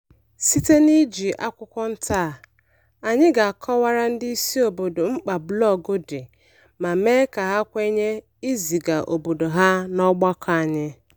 Site n'iji akwụkwọ nta a, anyị ga-akọwara ndị isi obodo mkpa blọọgụ dị ma mee ka ha kwenye iziga obodo ha n'ọgbako anyị.